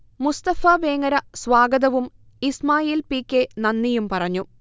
മുസ്തഫ വേങ്ങര സ്വാഗതവും Ismail P. K. നന്ദിയും പറഞ്ഞു